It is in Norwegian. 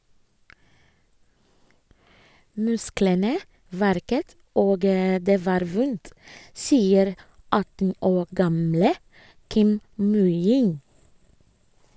Musklene verket og det var vondt, sier 18 år gamle Kim Myung-jin.